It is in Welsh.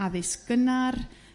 addysg gynnar